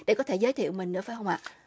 để có thể giới thiệu mình nữa phải không ạ